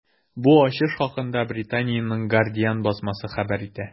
Бу ачыш хакында Британиянең “Гардиан” басмасы хәбәр итә.